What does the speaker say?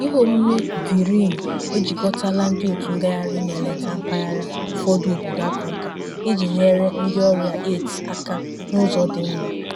GV: Iheomume DREAM ejikọtala ndịotu ngagharị na-eleta mpaghara ụfọdụ obodo Afrịka iji nyere ndịọrịa AIDS aka n'ụzọ dị mma.